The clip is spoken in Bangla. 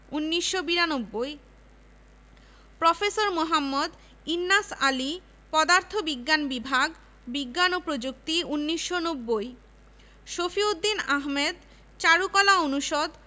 ১৯৯২ প্রফেসর মোঃ ইন্নাস আলী পদার্থবিজ্ঞান বিভাগ বিজ্ঞান ও প্রযুক্তি ১৯৯০ শফিউদ্দীন আহমেদ চারুকলা অনুষদ